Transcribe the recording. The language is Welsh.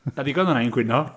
'Na ddigon o'r hen gwyno.